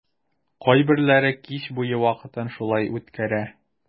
Кайберләре кич буе вакытын шулай үткәрә.